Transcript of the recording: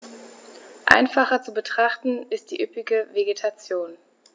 Einfacher zu betrachten ist die üppige Vegetation.